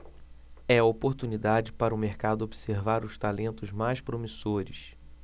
é a oportunidade para o mercado observar os talentos mais promissores